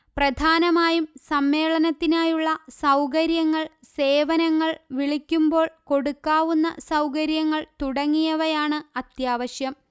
പ്രധാനമായും സമ്മേളനത്തിനായുള്ള സൗകര്യങ്ങൾ സേവനങ്ങൾ വിളിക്കുമ്പോൾ കൊടുക്കാവുന്ന സൌകര്യങ്ങൾ തുടങ്ങിയവയാണ് അത്യാവശ്യം